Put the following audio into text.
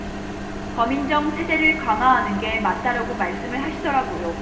검인정 체제를 강화하는 게 맞다라고 말씀을 하시더라고요